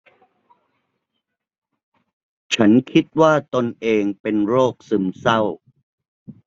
ฉันคิดว่าตนเองเป็นโรคซึมเศร้า